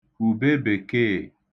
ùbebèkeè